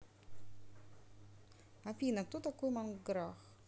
афина кто такой манграх